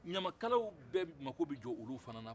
ɲamakalaw bɛɛ mako bɛ jɔ olu fɛnɛ na